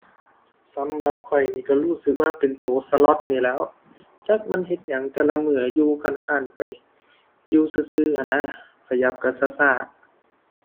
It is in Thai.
สำหรับข้อยนี่ก็รู้สึกว่าเป็นก็สลอธนี้แหล้ว จักมันเฮ็ดหยังแต่ละมื้อน่ะอยู่คร้านคร้านไป อยู่ซื่อซื่อหั้นนะ ขยับก็ก็ก็